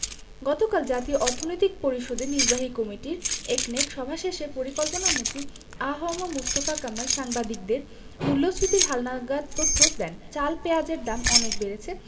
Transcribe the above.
গতকাল জাতীয় অর্থনৈতিক পরিষদের নির্বাহী কমিটির একনেক সভা শেষে পরিকল্পনামন্ত্রী আ হ ম মুস্তফা কামাল সাংবাদিকদের মূল্যস্ফীতির হালনাগাদ তথ্য দেন চাল পেঁয়াজের দাম অনেক বেড়েছে